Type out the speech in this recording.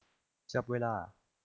จับเวลา